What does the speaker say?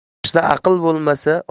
boshda aql bo'lmasa